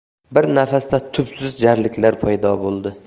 bir nafasda tubsiz jarliklar paydo bo'ldi